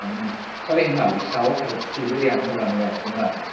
A maen nhw'n torri hein lawr i sawl peth difyr iawn o ran y iaith Gymraeg.